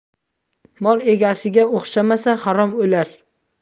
mol egasiga o'xshamasa harom o'lar